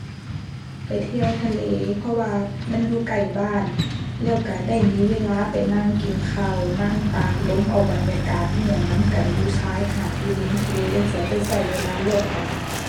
ไปเที่ยวทะเล เพราะว่ามันอยู่ใกล้บ้าน แล้วก็ได้มีเวลาไปนั่งกินข้าว นั่งตากลมเอาบรรยากาศ อิหยังนำกัน อยู่ชายหาด อยู่ริมทะเลจั่งซี้ ได้ก็เวลาร่วมกัน